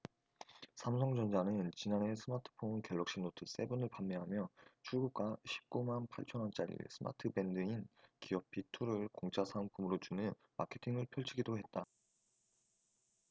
삼성전자는 지난해 스마트폰 갤럭시노트 칠 을 판매하며 출고가 십 구 만 팔천 원짜리 스마트밴드인 기어핏 이 를 공짜 사은품으로 주는 마케팅을 펼치기도 했다